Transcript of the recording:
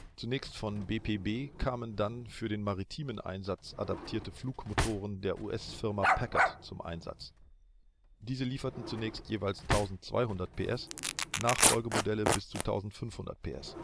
Zunächst von BPB kamen dann für den maritimen Einsatz adaptierte Flugmotoren der US-Firma Packard zum Einsatz. Diese lieferten zunächst jeweils 1 200 PS Nachfolgemodelle bis zu 1 500 PS